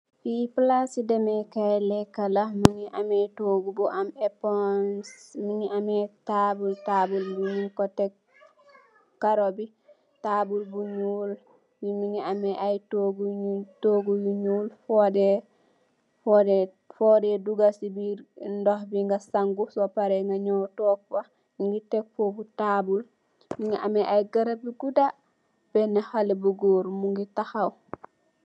Li palasi demeh kai lekuh la mungi am togu bu am eponge munge am tabul munge togu yu nyul munge am fudeh dogah sanguh fofu munge ameh tabul ak garap yu guddah ak haleh bu goor mung fa tahkhaw